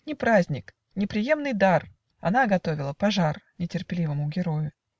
Не праздник, не приемный дар, Она готовила пожар Нетерпеливому герою.